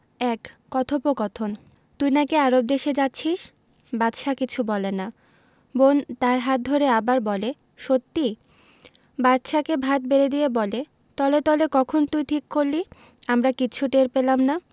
১ কথোপকথন তুই নাকি আরব দেশে যাচ্ছিস বাদশা কিছু বলে না বোন তার হাত ধরে আবার বলে সত্যি বাদশাকে ভাত বেড়ে দিয়ে বলে তলে তলে কখন তুই ঠিক করলি আমরা কিচ্ছু টের পেলাম না